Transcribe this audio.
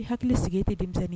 I hakili sigi e tɛ denmisɛnnin ye